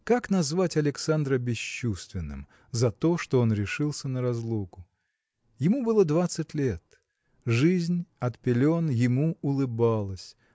Как назвать Александра бесчувственным за то что он решился на разлуку? Ему было двадцать лет. Жизнь от пелен ему улыбалась